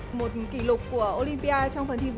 một kỉ lục của ô lim pi a trong phần thi